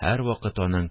Һәрвакыт аның